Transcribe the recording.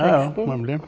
ja ja nemlig.